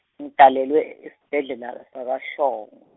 ngitalelwe esibhedlela sakaShong-.